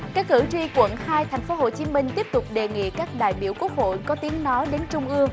các cử tri quận hai thành phố hồ chí minh tiếp tục đề nghị các đại biểu quốc hội có tiếng nói đến trung ương